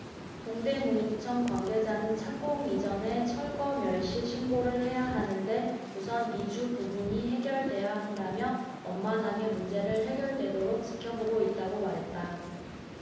동대문구청 관계자는 착공 이전에 철거 멸실 신고를 해야 하는데 우선 이주 부분이 해결돼야 한다며 원만하게 문제가 해결되도록 지켜보고 있다고 말했다